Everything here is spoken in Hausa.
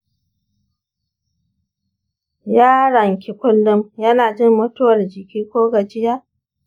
yaronki kullum yana jin mutuwar jiki ko gajiya?